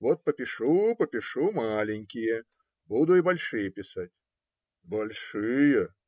Вот попишу, попишу маленькие, буду и большие писать. - Большие?